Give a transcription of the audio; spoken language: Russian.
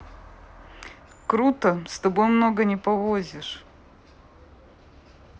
круто с тобой много не повозишь